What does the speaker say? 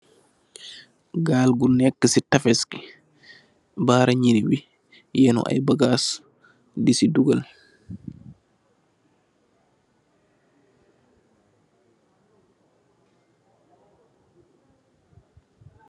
Gal guneh gah si tafess bi , bareh naag bi ahnuh aya bagass , di seh dugal .